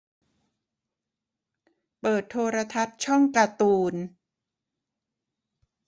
เปิดโทรทัศน์ช่องการ์ตูน